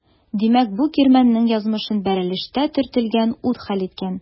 Димәк бу кирмәннең язмышын бәрелештә төртелгән ут хәл иткән.